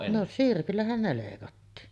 no sirpillähän ne leikattiin